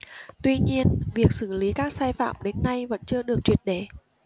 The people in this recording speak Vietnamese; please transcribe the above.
tuy nhiên việc xử lý các sai phạm đến nay vẫn chưa được triệt để